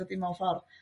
dydi mewn ffor'?